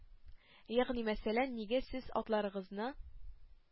Ягъни мәсәлән, нигә сез атларыгызны